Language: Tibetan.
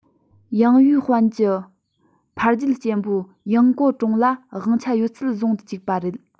ཡང ཡུས ཧོན གྱི ཕ རྒྱུད གཅེན པོ དབྱང གོ ཀྲུང ལ དབང ཆ ཡོད ཚད བཟུང དུ བཅུག